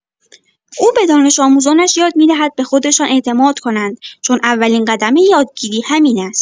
او به دانش‌آموزانش یاد می‌دهد به خودشان اعتماد کنند، چون اولین قدم یادگیری همین است.